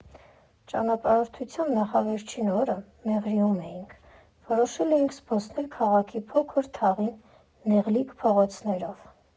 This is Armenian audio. Ճամփորդության նախավերջին օրը Մեղրիում էինք, որոշել էինք զբոսնել քաղաքի Փոքր Թաղի նեղլիկ փողոցներով։